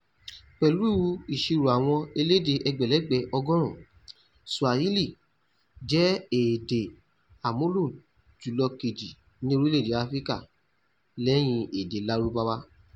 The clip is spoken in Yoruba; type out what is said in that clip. Pẹ̀lú ìṣirò àwọn elédè ẹgbẹ̀ẹ́lẹ́gbẹ̀ 100, Swahili jẹ́ èdè àmúlò-jùlọ-kejì ní orílẹ̀ Áfíríkà, lẹ́yìn èdè Lárúbáwá.